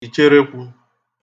icherekwu